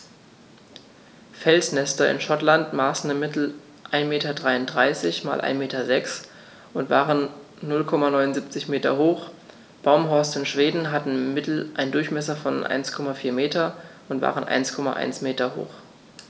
Felsnester in Schottland maßen im Mittel 1,33 m x 1,06 m und waren 0,79 m hoch, Baumhorste in Schweden hatten im Mittel einen Durchmesser von 1,4 m und waren 1,1 m hoch.